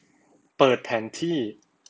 เปิดแผนที่